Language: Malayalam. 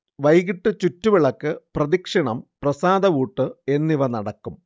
വൈകീട്ട് ചുറ്റുവിളക്ക്, പ്രദക്ഷിണം, പ്രസാദഊട്ട് എന്നിവ നടക്കും